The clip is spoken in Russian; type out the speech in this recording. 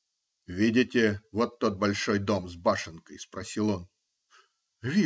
-- Видите вот тот большой дом с башенкой? -- спросил он. -- Вижу.